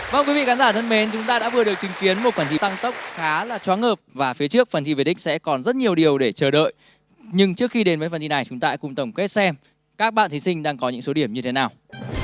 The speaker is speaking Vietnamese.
vâng quý vị khán giả thân mến chúng ta đã vừa được chứng kiến một phần thi tăng tốc khá là choáng ngợp và phía trước phần thi về đích sẽ còn rất nhiều điều để chờ đợi nhưng trước khi đến với phần thi này chúng ta hãy cùng tổng kết xem các bạn thí sinh đang có những số điểm như thế nào